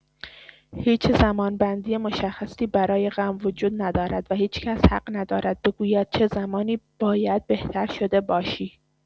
هیچ زمان‌بندی مشخصی برای غم وجود ندارد و هیچ کسی حق ندارد بگوید چه زمانی «باید بهتر شده باشی».